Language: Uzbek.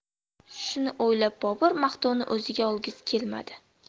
shuni o'ylab bobur maqtovni o'ziga olgisi kelmadi